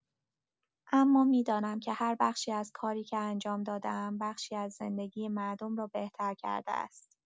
اما می‌دانم که هر بخشی از کاری که انجام داده‌ام بخشی از زندگی مردم را بهتر کرده است.